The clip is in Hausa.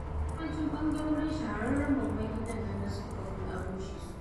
Yawancin ɓangarorin shahararren babban gidan nan a Sutrapur an rushe su.